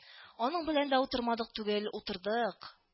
Аның белән дә утырмадык түгел, утырдык